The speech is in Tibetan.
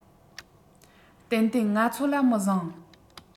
ཏན ཏན ང ཚོ ལ མི བཟང